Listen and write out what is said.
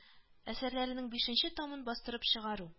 Әсәрләренең бишенче томын бастырып чыгару